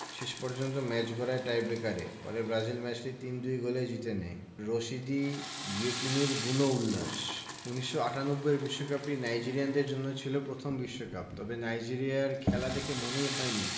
শেষ পর্যন্ত ম্যাচ গড়ায় টাইব্রেকারে পরে ব্রাজিল ম্যাচটি ৩ ২ গোলে জিতে নেয় রশিদী ইয়েকিনীর বুনো উল্লাস ১৯৯৮ এর বিশ্বকাপটি নাইজেরিয়ানদের জন্য ছিল প্রথম বিশ্বকাপ তবে নাইজেরিয়ার খেলা দেখে মনেই হয়নি